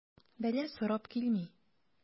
Бәла сорап килми.